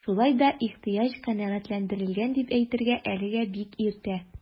Шулай да ихтыяҗ канәгатьләндерелгән дип әйтергә әлегә бик иртә.